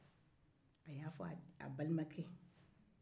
a ya fɔ a balimakɛ ye